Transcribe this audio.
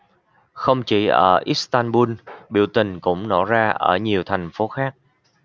không chỉ ở istanbul biểu tình cũng nổ ra ở nhiều thành phố khác